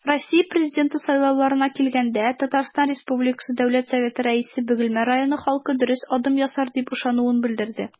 Россия Президенты сайлауларына килгәндә, ТР Дәүләт Советы Рәисе Бөгелмә районы халкы дөрес адым ясар дип ышануын белдерде.